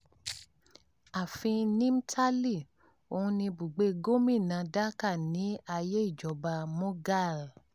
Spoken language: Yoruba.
Aàfin Nimtali, òun ni ibùgbé Gómìnà Dhaka ní ayée Ìjọba Mughal.